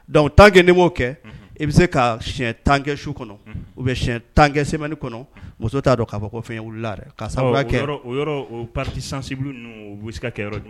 Dɔnku u tankɛ ni kɛ i bɛ se ka si tankɛ su kɔnɔ u bɛ tankɛ sɛmɛnin kɔnɔ muso t'a dɔn ka bɔ fɛ wili patisi ka kɛ